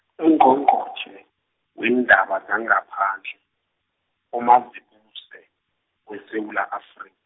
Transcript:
Ungqongqotjhe, weendaba zangaphandle, uMazibuse, weSewula Afri-.